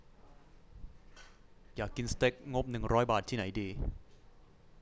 อยากกินสเต็กงบหนึ่งร้อยบาทที่ไหนดี